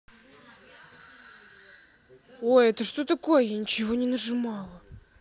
ой это что такое я ничего не нажимала